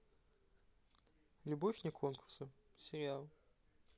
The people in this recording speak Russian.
любовь вне конкурса сериал